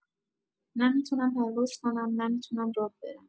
نه می‌تونم پرواز کنم، نه می‌تونم راه برم.